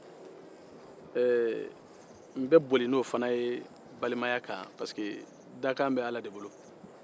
n b'o boli balimaya kan fana pariseke dakan bɛ ala de bolo